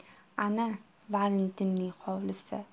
ana valentinning uchastkasi